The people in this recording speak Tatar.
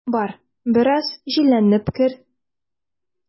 Бар, бераз җилләнеп кер.